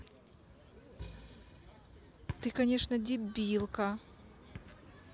ты конечно дебилка